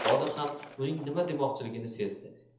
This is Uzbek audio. hozir ham uning nima demoqchiligini sezdi